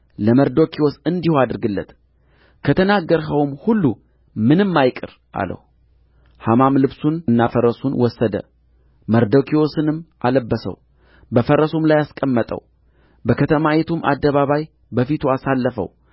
ለመርዶክዮስ እንዲሁ አድርግለት ከተናገርኸውም ሁሉ ምንም አይቅር አለው ሐማም ልብሱንና ፈረሱን ወሰደ መርዶክዮስንም አለበሰው በፈረሱም ላይ አስቀመጠው በከተማይቱም አደባባይ በፊቱ አሳለፈው